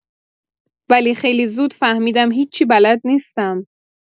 ولی خیلی زود فهمیدم هیچی بلد نیستم.